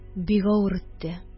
Бик авыр үтте